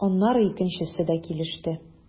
Аннары икенчесе дә килеште.